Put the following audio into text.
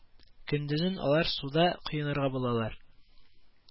Көндезен алар суда коенырга булалар